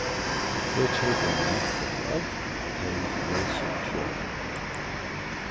eg keypti eina mappu til øll tey leysu skjølini